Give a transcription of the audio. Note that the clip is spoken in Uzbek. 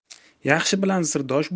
yaxshi bilan sirdosh